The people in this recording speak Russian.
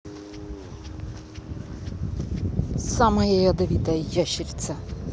самая ядовитая ящерица